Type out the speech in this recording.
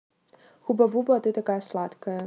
хуба буба а ты такая сладкая